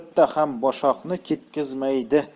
bitta ham boshoqni ketqazmaydi